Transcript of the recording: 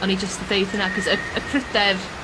O'n i jyst â ddeud hynna achos y y pryder